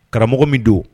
Karamɔgɔ min don